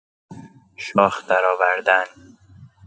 شاخ درآوردن